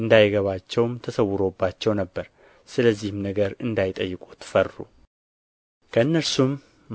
እንዳይገባቸውም ተሰውሮባቸው ነበር ስለዚህ ነገርም እንዳይጠይቁት ፈሩ ከእነርሱም